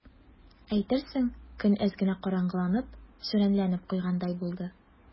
Әйтерсең, көн әз генә караңгыланып, сүрәнләнеп куйгандай булды.